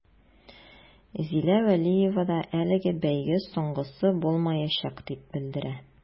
Зилә вәлиева да әлеге бәйге соңгысы булмаячак дип белдерә.